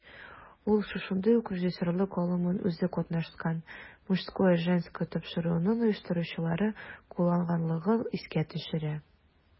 Ул шушындый ук режиссерлык алымын үзе катнашкан "Мужское/Женское" тапшыруының оештыручылары кулланганлыгын искә төшерә.